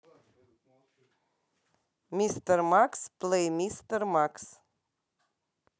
мистер макс плей мистер макс